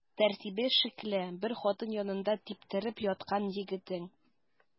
Тәртибе шикле бер хатын янында типтереп яткан егетең.